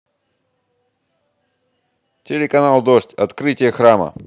телеканал дождь открытие храма